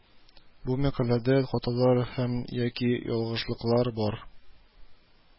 Бу мәкаләдә хаталар һәм яки ялгышлыклар бар